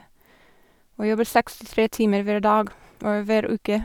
Og jobber sekstitre timer hver dag or hver uke.